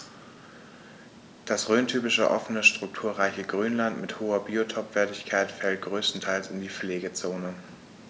Das rhöntypische offene, strukturreiche Grünland mit hoher Biotopwertigkeit fällt größtenteils in die Pflegezone.